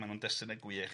Ma' nhw'n destun y gwych.